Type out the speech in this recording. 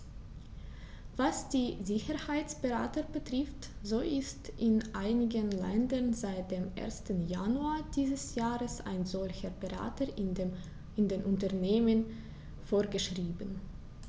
Was die Sicherheitsberater betrifft, so ist in einigen Ländern seit dem 1. Januar dieses Jahres ein solcher Berater in den Unternehmen vorgeschrieben.